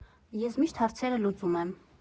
Ես միշտ հարցերը լուծում եմ։